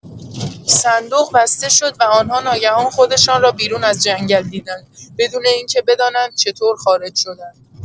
صندوق بسته شد و آن‌ها ناگهان خودشان را بیرون از جنگل دیدند، بدون اینکه بدانند چطور خارج شدند.